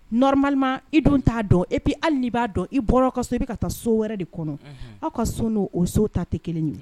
Normalement i dun t'a dɔn hali n'i b'a dɔn i bɔra aw ka so i bɛ ka taa so wɛrɛ de kɔnɔ, unhun, aw ka so n'o o so ta tɛ kelen ye